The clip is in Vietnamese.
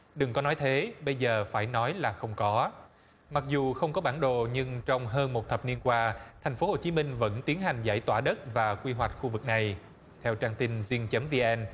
đừng có nói thế bây giờ phải nói là không có mặc dù không có bản đồ nhưng trong hơn một thập niên qua thành phố hồ chí minh vẫn tiến hành giải tỏa đất và quy hoạch khu vực này theo trang tin rinh chấm vi en